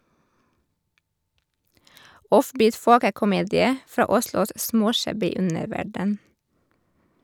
Off-beat folkekomedie fra Oslos småshabby underverden.